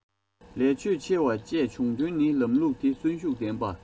ལས ཕྱོད ཆེ བ བཅས བྱུང དོན ནི ལམ ལུགས དེ གསོན ཤུགས ལྡན པ